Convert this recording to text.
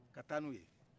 ka taa n'u ye